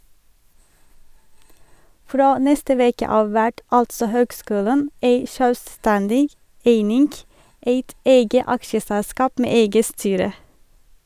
Frå neste veke av vert altså høgskulen ei sjølvstendig eining, eit eige aksjeselskap med eige styre.